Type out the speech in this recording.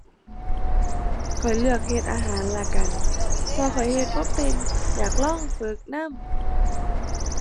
ข้อยเลือกเฮ็ดอาหารแล้วกัน เพราะข้อยเฮ็ดบ่เป็นอยากลองฝึกนำ